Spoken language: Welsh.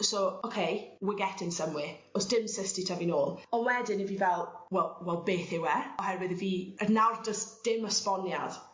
So ok we're getting somewhere. O's dim cyst 'di tyfu nôl on' wedyn 'yf fi fel wel wel beth yw e? Oherwydd 'yf fi yy nawr do's dim esboniad